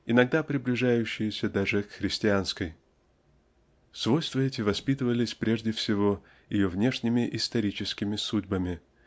иногда приближающиеся даже к христианской. Свойства эти воспитывались прежде всего ее внешними историческими судьбами